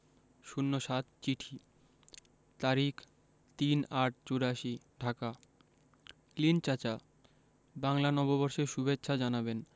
০৭ চিঠি তারিখ ৩-৮-৮৪ ঢাকা ক্লিন্ট চাচা বাংলা নববর্ষের সুভেচ্ছা জানাবেন